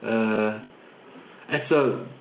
Yy eto...